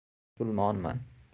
men musulmonman